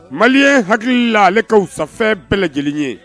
Mali ye hakili la ale ka sanfɛ bɛɛlɛ lajɛlen ye